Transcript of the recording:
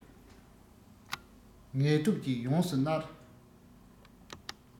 ངལ དུབ ཀྱིས ཡོངས སུ མནར